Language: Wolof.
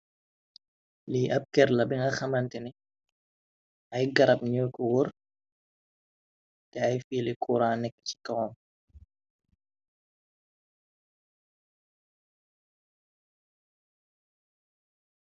Lii ab ker la bi nga xamante ni ay garab ñoy ko wor te ay fiili kuuran nekk ci kawam.